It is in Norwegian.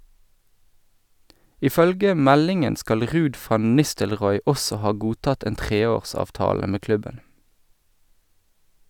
Ifølge meldingen skal Ruud van Nistelrooy også ha godtatt en treårsavtale med klubben.